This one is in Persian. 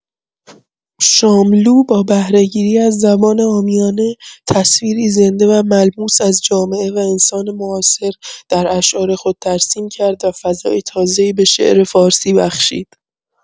شاملو با بهره‌گیری از زبان عامیانه، تصویری زنده و ملموس از جامعه و انسان معاصر در اشعار خود ترسیم کرد و فضای تازه‌ای به شعر فارسی بخشید.